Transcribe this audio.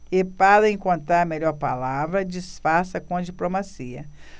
é para encontrar a melhor palavra disfarça com diplomacia